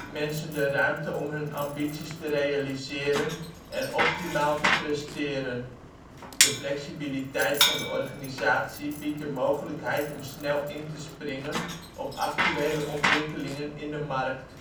mensen de ruimte om hun ambities te realiseren en optimaal te presteren. De flexibiliteit van de organisatie biedt de mogelijkheid om snel in te springen op actuele ontwikkelingen in de markt